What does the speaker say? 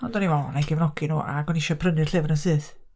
Ond o'n i'n meddwl, o wna i gefnogi nhw, ac o'n i isio prynu'r llyfr yn syth.